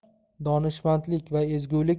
donishmandlik va ezgulik